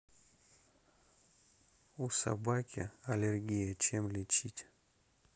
у собаки аллергия чем лечить